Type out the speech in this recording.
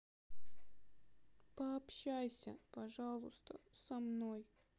пообщайся пожалуйста со мной